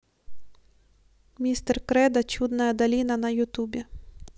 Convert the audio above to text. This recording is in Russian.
мистер кредо чудная долина на ютубе